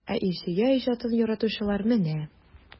Ә Илсөя иҗатын яратучылар менә!